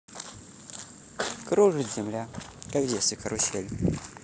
кружит земля как в детстве карусель